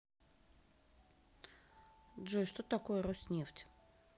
джой что такое роснефть